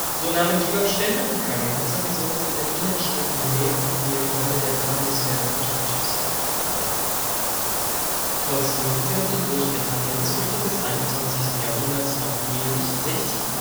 So nahmen Kebab-Stände und Curryhäuser besonders in den Innenstädten mehr und mehr die Rolle der traditionellen Fish’ n’ Chips-Verkäufer ein. Trotzdem werden in Großbritannien zu Beginn des 21. Jahrhunderts noch jährlich 60.000